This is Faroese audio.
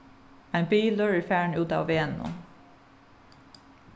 ein bilur er farin útav vegnum